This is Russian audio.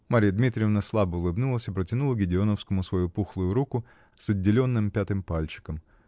Марья Дмитриевна слабо улыбнулась и протянула Гедеоновскому свою пухлую руку с отделенным пятым пальчиком.